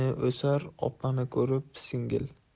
o'sar opani ko'rib singil